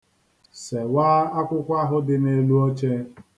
Sewaa akwụkwọ ahụ dị n'elu oche.